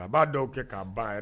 A b'a dɔw kɛ k'a ba yɛrɛ